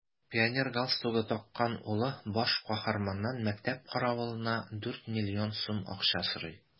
Пионер галстугы таккан улы баш каһарманнан мәктәп каравылына дүрт миллион сум акча сорый.